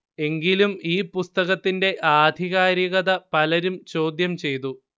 എങ്കിലും ഈ പുസ്തകത്തിന്റെ ആധികാരികത പലരും ചോദ്യം ചെയ്തു